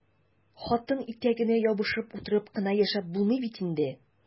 Хатын итәгенә ябышып утырып кына яшәп булмый бит инде!